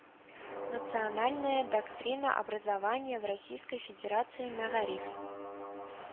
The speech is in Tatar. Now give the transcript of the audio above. Национальная доктрина образования в Российской Федерации Мәгариф